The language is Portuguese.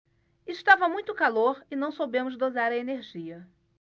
estava muito calor e não soubemos dosar a energia